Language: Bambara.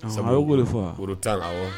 Sama ko de fɔ woro t'a la wa